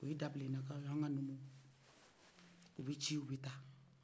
o ye dablena kaw ye anw ka numuw o bɛ ci o bɛ taa